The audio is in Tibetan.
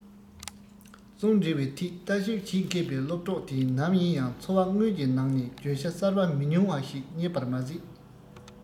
རྩོམ འབྲི བའི ཐད ལྟ ཞིབ བྱེད མཁས པའི སློབ གྲོགས དེས ནམ ཡིན ཡང འཚོ བ དངོས ཀྱི ནང ནས བརྗོད བྱ གསར བ མི ཉུང བ ཞིག ཪྙེད པར མ ཟད